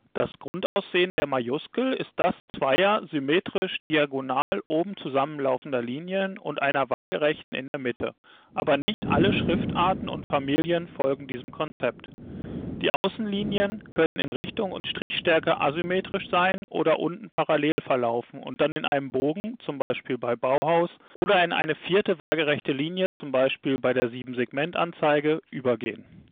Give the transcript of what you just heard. Das Grundaussehen der Majuskel ist das zweier (symmetrisch) diagonal oben zusammenlaufender Linien und einer Waagerechten in der Mitte, aber nicht alle Schriftarten und - familien folgen diesem Konzept. Die Außenlinien können in Richtung und Strichstärke asymmetrisch sein oder unten parallel verlaufen und dann in einen Bogen (z.B. Bauhaus) oder in eine vierte, waagerechte Linie (z.B. Siebensegmentanzeige) übergehen